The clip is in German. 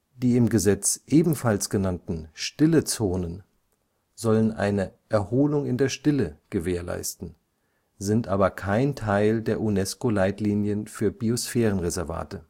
Die im Gesetz ebenfalls genannten Stillezonen sollen eine „ Erholung in der Stille “gewährleisten, sind aber kein Teil der UNESCO-Leitlinien für Biosphärenreservate